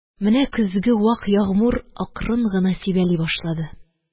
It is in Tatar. Менә көзге вак ягъмур акрын гына сибәли башлады.